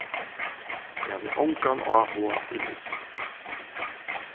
eg havi ongan áhuga í list